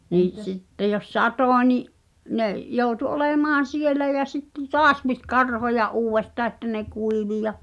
niin sitten jos satoi niin ne joutui olemaan siellä ja sitten taas piti karhoja uudestaan että ne kuivui ja